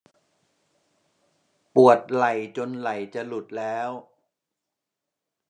ปวดไหล่จนไหล่จะหลุดแล้ว